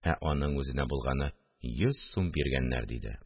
Ә аның үзенә булганы йөз сум биргәннәр... – диде